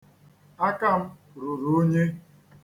Aka m ruru unyi.